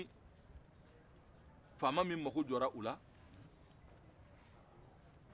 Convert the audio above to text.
ni faama min mako jɔra u la